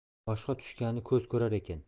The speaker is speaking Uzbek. boshga tushganni ko'z ko'rar ekan